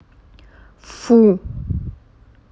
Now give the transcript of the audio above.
фу